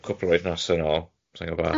Cwpl o wthnoese y nôl, sa i'n gwbod.